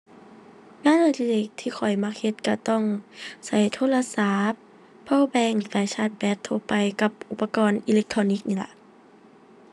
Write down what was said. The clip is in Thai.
งานอดิเรกที่ข้อยมักเฮ็ดก็ต้องก็โทรศัพท์ power bank สายชาร์จแบตทั่วไปกับอุปกรณ์อิเล็กทรอนิกส์นี่ล่ะ